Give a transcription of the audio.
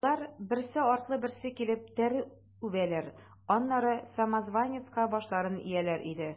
Алар, берсе артлы берсе килеп, тәре үбәләр, аннары самозванецка башларын ияләр иде.